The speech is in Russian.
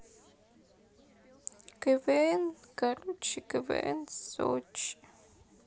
квн короче квн сочи